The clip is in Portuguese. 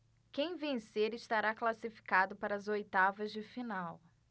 quem vencer estará classificado para as oitavas de final